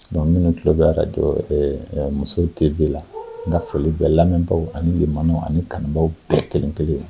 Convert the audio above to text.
Bon minnu tulo bɛ radio ɛɛ musow TV la n ka foli bɛ lamɛnbaaw ani limananw ani kanubaaw bɛɛ kelen kelen ye.